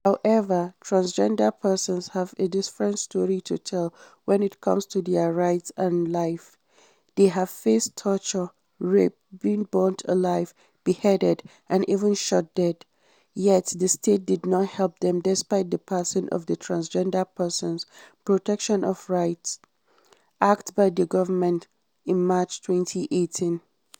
However, Transgender persons have a different story to tell when it comes to their rights and life; they have faced torture, rape, been burnt alive, beheaded and even shot dead, yet the state did not help them despite the passing of the Transgender Persons (Protection of Rights) Act by the Government in March 2018.